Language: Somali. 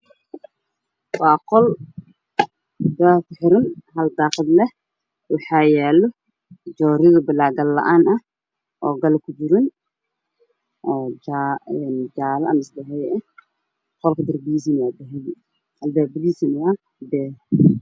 Waa qol albaab furan hal daaqad leh waxaa yaalo joodari bilaa gal laan ah oo gal ku jirin oo jaalo ah mise cafee ah qolka darbigiisana waa dahabi albaabadiisana waa beer